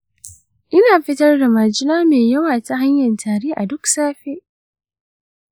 ina fitar da majina mai yawa ta hanyan tari a duk safe.